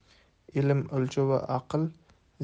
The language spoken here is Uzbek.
ilm o'lchovi aql